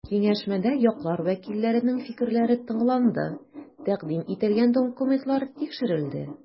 Киңәшмәдә яклар вәкилләренең фикерләре тыңланды, тәкъдим ителгән документлар тикшерелде.